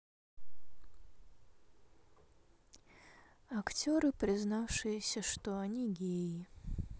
актеры признавшиеся что они геи